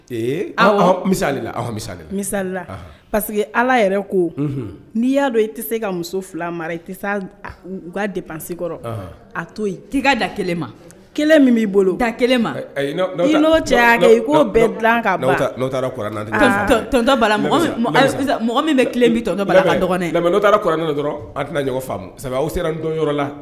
Eesamisasalila paseke ala yɛrɛ ko n'i y'a dɔn i tɛ se ka muso fila mara i tɛ u ka de pansi kɔrɔ a to i' da kelen ma kelen min b'i bolo da kelen ma cɛ i ko bɛɛ dila k mɔgɔ min bɛ bɛtɔ dɔgɔninɛ dɔrɔn a sabu aw sera n don yɔrɔ la